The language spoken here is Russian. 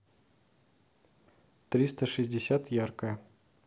триста шестьдесят яркое